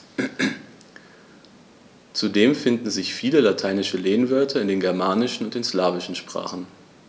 Zudem finden sich viele lateinische Lehnwörter in den germanischen und den slawischen Sprachen.